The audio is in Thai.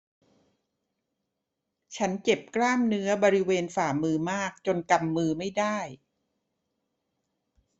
ฉันเจ็บกล้ามเนื้อบริเวณฝ่ามือมากจนกำมือไม่ได้